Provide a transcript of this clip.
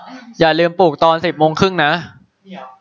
อย่าลืมปลุกตอนสิบโมงครึ่งนะ